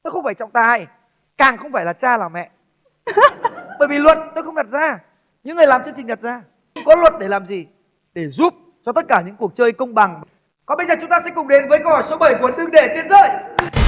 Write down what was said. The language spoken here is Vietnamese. tôi không phải trọng tài càng không phải là cha làm mẹ bởi vì luật tôi không đặt ra những người làm chương trình đặt ra luật để làm gì để giúp cho tất cả những cuộc chơi công bằng còn bây giờ chúng ta sẽ cùng đến với câu hỏi số bảy đừng để tiền rơi